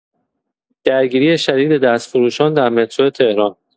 درگیری شدید دستفروشان در مترو تهران